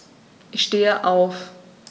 Ich stehe auf.